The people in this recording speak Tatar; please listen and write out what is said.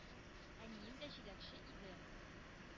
Әнием дә җиләкче иде.